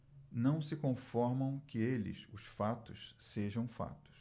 não se conformam que eles os fatos sejam fatos